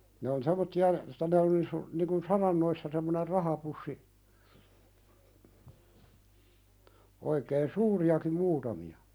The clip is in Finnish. ne on semmoisia niin kuin saranoissa semmoinen rahapussi oikein suuriakin muutamia